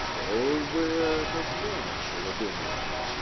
"Что бы это значило?" - думает.